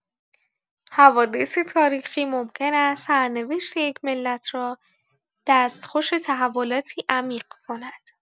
حوادث تاریخی ممکن است سرنوشت یک ملت را دستخوش تحولاتی عمیق کند.